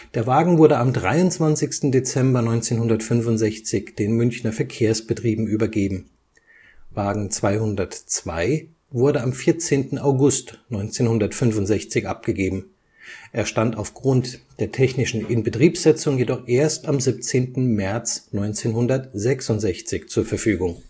Der Wagen wurde am 23. Dezember 1965 den Münchner Verkehrsbetrieben übergeben. Wagen 202 wurde am 14. August 1965 abgegeben, er stand aufgrund der technischen Inbetriebsetzung jedoch erst am 17. März 1966 zur Verfügung